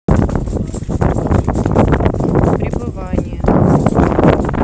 пребывание